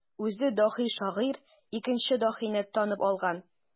Үзе даһи шагыйрь икенче даһине танып алган.